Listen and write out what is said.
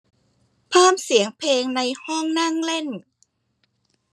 เพิ่มเสียงเพลงในห้องนั่งเล่น